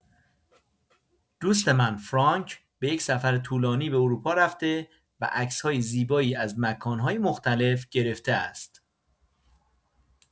دوست من فرانک به یک سفر طولانی به اروپا رفته و عکس‌های زیبایی از مکان‌های مختلف گرفته است.